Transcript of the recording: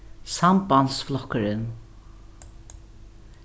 sambandsflokkurin